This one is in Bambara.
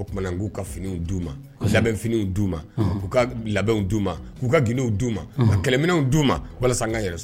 O kumana u ku ka finiw du ma . Labɛn finiw du ma . ku ka labɛnw du ma. ku ka gundow du ma . Ka kɛlɛminw du ma walasa